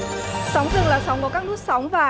sóng dừng là sóng có các nút sóng và